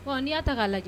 Ko n' y' ta k'a lajɛ